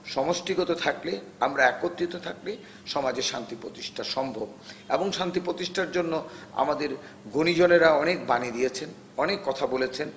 সমষ্টিগত থাকলে আমরা একত্রিত থাকলে সমাজের শান্তি প্রতিষ্ঠা সম্ভব এবং শান্তি প্রতিষ্ঠার জন্য আমাদের গুণীজনেরা অনেক বাণী দিয়েছেন অনেক কথা বলেছেন